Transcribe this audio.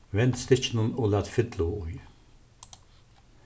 vend stykkinum og lat fyllu í